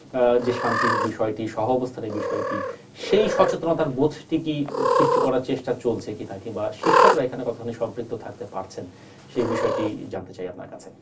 যে শান্তির বিষয়টি সহঅবস্থানের বিষয়টি সেই সচেতনতার বোধ টি কি সৃষ্টি করার চেষ্টা চলছে কিনা কিংবা শিক্ষকরা এখানে কতখানি সম্পৃক্ত থাকতে পারছেন সেই বিষয়টি জানতে চাই আপনার কাছে